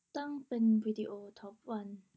ตั้งเป็นวิดีโอทอปวัน